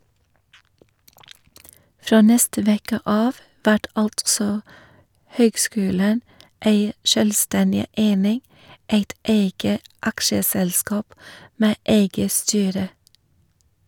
Frå neste veke av vert altså høgskulen ei sjølvstendig eining, eit eige aksjeselskap med eige styre.